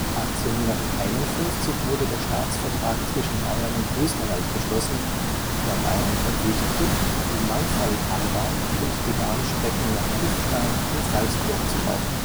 1851 wurde der Staatsvertrag zwischen Bayern und Österreich geschlossen, der Bayern verpflichtete, die Mangfalltalbahn und die Bahnstrecken nach Kufstein und Salzburg zu bauen